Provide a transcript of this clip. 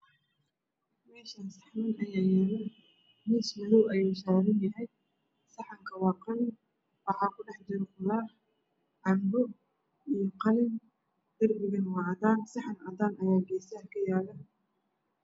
Meshan saxaman ayaa yaala miis madow ayuu sarana yahay saxan ka qaa qalin waxaa ku dhax jiro qudaar canbo iyo qalin darpigana waa cadaan saxanka cadaan ayaa geesaha kayaalo